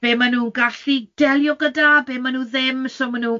be maen nhw'n gallu delio gyda, be maen nhw ddim so maen